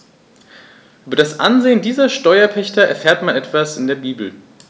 Über das Ansehen dieser Steuerpächter erfährt man etwa in der Bibel.